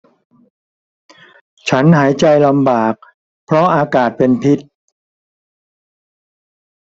ฉันหายใจลำบากเพราะอากาศเป็นพิษ